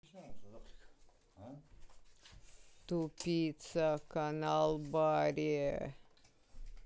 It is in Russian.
тупица канал баре